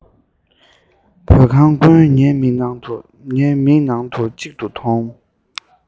བོད ཁང ཀུན ངའི མིག ནང དུ གཅིག ཏུ མཐོང